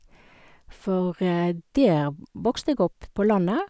For der vokste jeg opp på landet.